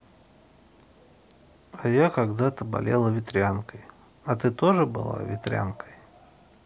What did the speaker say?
а я когда то болела ветрянкой а ты тоже была ветрянкой